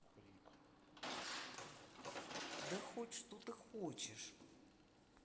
да хуть что ты хочешь